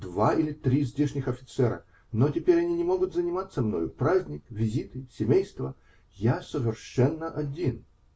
Два или три здешних офицера, но теперь они не могут заниматься мною: праздник, визиты, семейство. Я совершенно один.